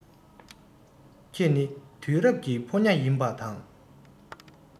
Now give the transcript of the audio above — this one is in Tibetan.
ཁྱེད ནི དུས རབས ཀྱི ཕོ ཉ ཡིན པ དང